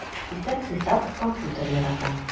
Исәп-хисап, компьютер ярата...